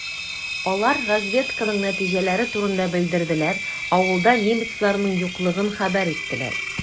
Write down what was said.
Алар разведканың нәтиҗәләре турында белдерделәр, авылда немецларның юклыгын хәбәр иттеләр.